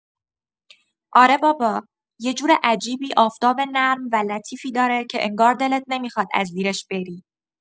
آره بابا، یه جور عجیبی آفتاب نرم و لطیفی داره که انگار دلت نمیخواد از زیرش بری.